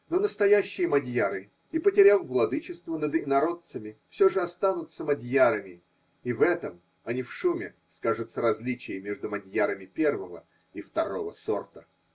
Но настоящие мадьяры, и потеряв владычество над инородцами, все же останутся мадьярами – и в этом, а не в шуме скажется различие между мадьярами первого и второго сорта.